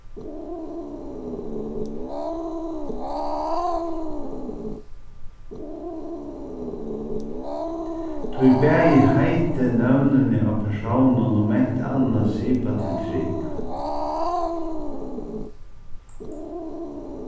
tí bæði heitið nøvnini á persónum og mangt annað sipa til trúgv